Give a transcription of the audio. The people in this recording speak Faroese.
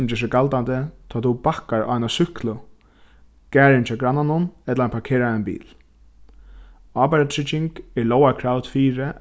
sum ger seg galdandi tá tú bakkar á eina súkklu garðin hjá grannanum ella ein parkeraðan bil ábyrgdartrygging er lógarkravd fyri